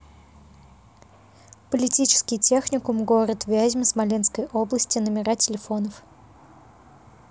политехнический техникум город вязьма смоленской области номера телефонов